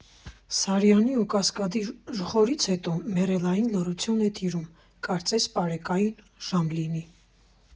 Սարյանի ու Կասկադի ժխորից հետո մեռելային լռություն է տիրում, կարծես պարեկային ժամ լինի։